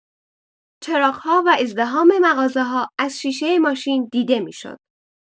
چراغ‌ها و ازدحام مغازه‌ها از شیشه ماشین دیده می‌شد.